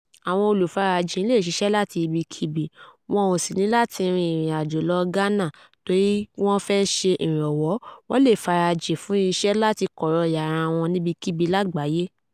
Àwọn Olùfarajìn lè ṣiṣẹ́ láti ibikíbi, wọn ò sì ní látí rin ìrìnàjò lọ Ghana tóri wọ́n fẹ́ ṣe ìrànwọ́; wọ́n lè farajìn fún iṣẹ́ láti kọ̀rọ̀ ìyàrà wọn níbikíbi lágbàáyé.